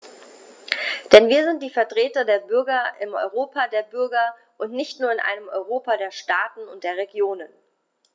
Denn wir sind die Vertreter der Bürger im Europa der Bürger und nicht nur in einem Europa der Staaten und der Regionen.